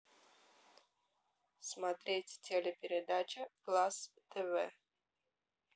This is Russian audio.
смотреть телепередача глаз тв